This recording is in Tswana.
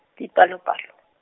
dipalopalo.